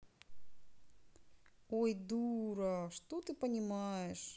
ой дура что ты понимаешь